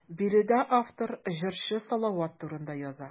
Биредә автор җырчы Салават турында яза.